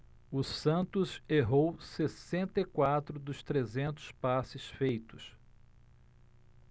o santos errou sessenta e quatro dos trezentos passes feitos